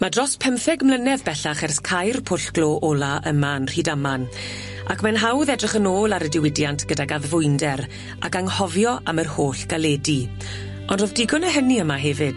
Ma' dros pymtheg mlynedd bellach ers cau'r pwll glo ola yma yn Rhydaman ac mae'n hawdd edrych yn ôl ar y diwydiant gydag addfwynder ac anghofio am yr holl galedi ond o'dd digon o hynny yma hefyd.